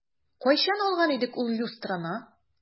Кайчан алган идек ул люстраны?